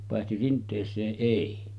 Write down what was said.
paitsi rinteeseen ei